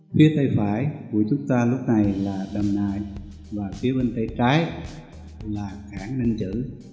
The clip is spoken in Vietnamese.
phía bên tay phải chúng ta bây giờ là đầm nại và bên tay trái là cảng ninh chữ